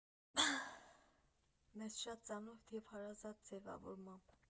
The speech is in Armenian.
Մեզ շատ ծանոթ և հարազատ ձևավորմամբ։